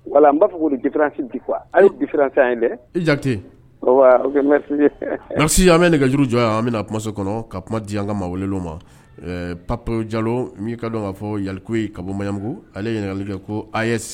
N b'a fɔran kuwa dɛsi y'mɛ nɛgɛ ka juruuru jɔ ye an bɛnaso kɔnɔ ka kuma di an ka ma weele o ma pap jaloi ka dɔn kaa fɔ ya ka bɔmu ale ye ɲininkali kɛ ko a